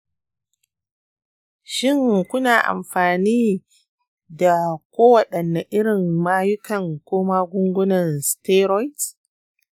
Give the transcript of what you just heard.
shin ku na amfani da kowaɗanne irin mayukan ko magungunan steroid?